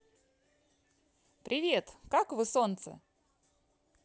привет как вы солнце